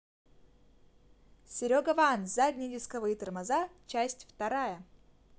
seryoga ван задние дисковые тормоза часть вторая